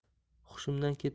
hushimdan ketib otdan